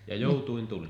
ja joutuin tuli